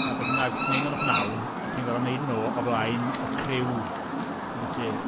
A beth bynnag, ti'n wneud nhw yn y p'nawn a ti'n gorfod wneud nhw o flaen y criw, yn dwyt ti.